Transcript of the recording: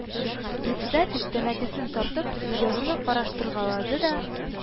Председатель, тәмәкесен тартып, язуны караштырга-лады да: